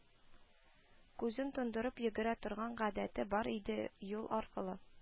Күзен тондырып йөгерә торган гадәте бар иде, юл аркылы